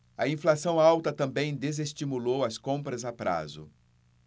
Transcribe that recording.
a inflação alta também desestimulou as compras a prazo